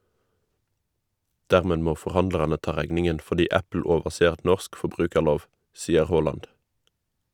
Dermed må forhandlerne ta regningen fordi Apple overser norsk forbrukerlov, sier Haaland.